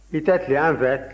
i tɛ tilen an fɛ